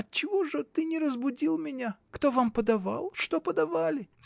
— Отчего же ты не разбудил меня! Кто вам подавал? Что подавали?